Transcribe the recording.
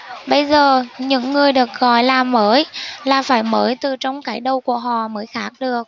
bây giờ những người được gọi là mới là phải mới từ trong cái đầu của họ mới khác được